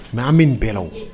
Mais an bɛ nin bɛ la o?